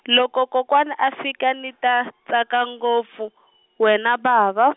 loko kokwana a fika ni ta tsaka ngopfu, wena bava.